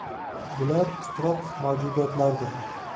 bular titroq mavjudotlardir